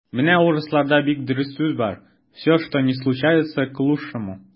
Менә урысларда бик дөрес сүз бар: "все, что ни случается - к лучшему".